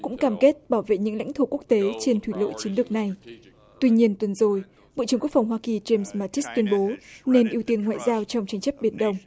cũng cam kết bảo vệ những lãnh thổ quốc tế trên thủy lộ chiến lược này tuy nhiên tuần rồi bộ trưởng quốc phòng hoa kỳ gim ma tít tuyên bố nên ưu tiên ngoại giao trong tranh chấp biển đông